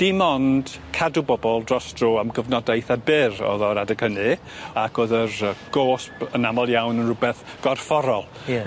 Dim ond cadw bobol dros dro am gyfnoda eitha byr o'dd o'r adeg hynny ac o'dd yr yy gosb yn amal iawn yn rwbeth gorfforol. Ie